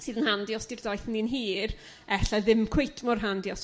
Sydd yn handi os 'di'r doeth ni'n hir e'lla ddim cweit mor handi os